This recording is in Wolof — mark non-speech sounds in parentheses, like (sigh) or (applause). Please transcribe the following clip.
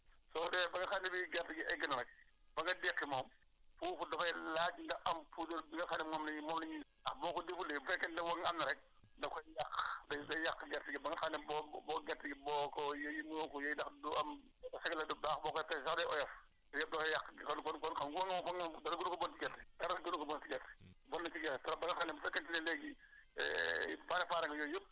yi koy war a ya yàq ge (hesitation) yàq gàncax gi gàncax gi da na mel na mu war a mel soo demee ba nga xam ne bii gerte gi egg na nag ba nga deqi moom foofu da fay laaj nga am puudar bi nga xam ne moom la ñuy moom la ñuy ndax moo ko defulee bu fekkee ne waŋŋ am na rek da koy yàq day yàq gerte gi ba nga xam ne boo boo gerte gi boo ko yëy munoo ko yëy ndax du am fekk na du baax boo koy peese sax day oyof yëpp da koy yàq loolu bon bon xam nga waŋŋ waŋŋ dara gënu ko bon ci gerte dara gënu ko bon ci gerte